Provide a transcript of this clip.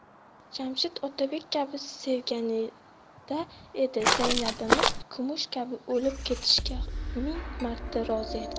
jamshid otabek kabi sevganida edi zaynabimiz kumush kabi o'lib ketishga ming marta rozi edi